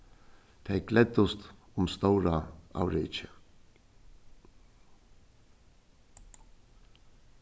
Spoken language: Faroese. tey gleddust um stóra avrikið